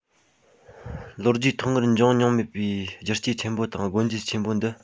ལོ རྒྱུས ཐོག སྔར འབྱུང མྱོང མེད པའི བསྒྱུར བཅོས ཆེན པོ དང སྒོ འབྱེད ཆེན པོ འདི